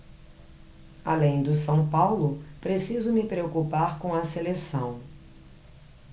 além do são paulo preciso me preocupar com a seleção